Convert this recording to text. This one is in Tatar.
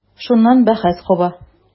Шуннан бәхәс куба.